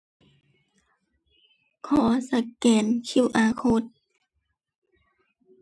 ขอสแกน QR code